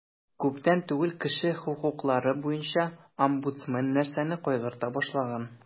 Күптән түгел кеше хокуклары буенча омбудсмен нәрсәне кайгырта башлаган?